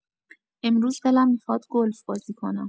امروز دلم می‌خواد گلف بازی کنم؟